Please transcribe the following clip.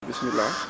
bismilah